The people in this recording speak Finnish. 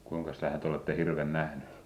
kuinkas läheltä olette hirven nähnyt